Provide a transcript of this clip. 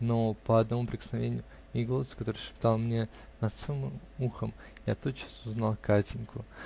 но по одному прикосновению и голосу, который шептал мне над самым ухом, я тотчас узнал Катеньку.